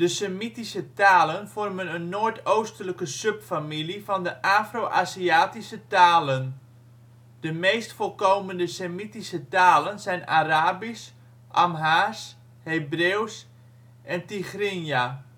Semitische talen vormen een noordoostelijke subfamilie van de Afro-Aziatische talen. De meest voorkomende Semitische talen zijn Arabisch, Amhaars, Hebreeuws en Tigrinya